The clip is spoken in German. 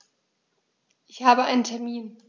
Ich habe einen Termin.